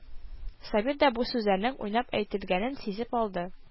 Сабир да бу сүзләрнең уйнап әйтелгәнен сизеп алды